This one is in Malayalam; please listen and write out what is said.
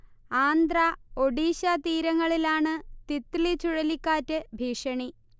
ആന്ധ്ര, ഒഡീഷ തീരങ്ങളിലാണ് തിത്ലി ചുഴലിക്കാറ്റ് ഭീഷണി